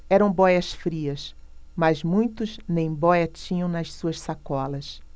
eram bóias-frias mas muitos nem bóia tinham nas suas sacolas